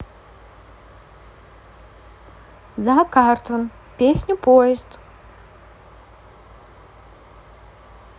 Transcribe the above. за cartoon песню поезд